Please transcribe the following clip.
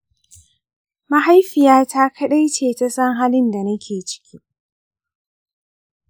mahaifiya ta kaɗai ce ta san halin da nake ciki.